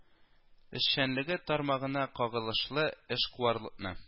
Эшчәнлеге тармагына кагылышлы эшкуарлыкны